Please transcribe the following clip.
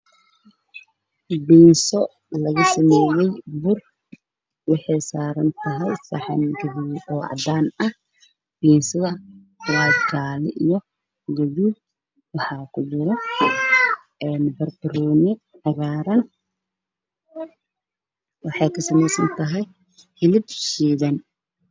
Biiso laga sameyay bur